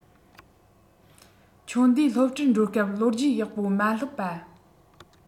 ཆུང དུས སློབ གྲྭར འགྲོ སྐབས ལོ རྒྱུས ཡག པོ མ སློབ པ